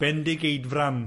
Bendigeidfran.